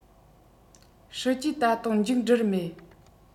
སྲིད ཇུས ད དུང མཇུག འགྲིལ མེད